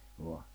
vain